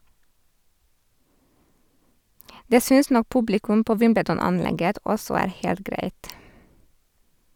Det syns nok publikum på Wimbledon-anlegget også er helt greit.